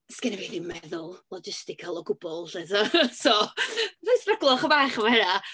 'Sgynna fi ddim meddwl logistical o gwbl 'lly, tibod. So wna i stryglo chydig bach efo hynna.